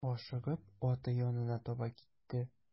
Ашыгып аты янына таба китте.